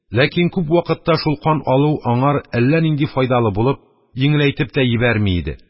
Ләкин күп вакытта шул кан алу аңар әллә нинди файдалы булып, йиңеләйтеп тә йибәрми иде.